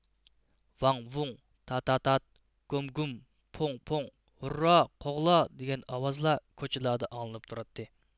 ۋاڭ ۋۇڭ تا تا تات گوم گۇم پوڭ پوڭ ھۇررا قوغلا دىگەن ئاۋازلار كوچىلاردا ئاڭلىنىپ تۇراتتى